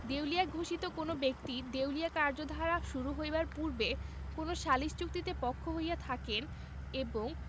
দেউলিয়া ঘোষিত কোন ব্যক্তি দেউলিয়া কার্যধারা শুরু হইবার পূর্বে কোন সালিস চুক্তিতে পক্ষ হইয়া থাকেন এবং